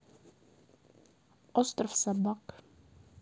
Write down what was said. остров собак